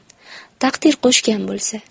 taqdir qo'shgan bo'lsa